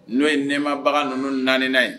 N'o ye nɛmabaga ninnu naani ye